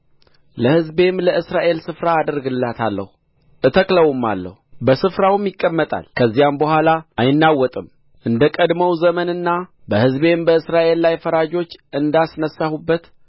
ለሕዝቤም ለእስራኤል ስፍራ አደርግለታለሁ እተክለውማለሁ በስፍራውም ይቀመጣል ከዚያም በኋላ አይናወጥም እንደቀድሞው ዘመንና በሕዝቤም በእስራኤል ላይ ፈራጆች እንዳስነሣሁበት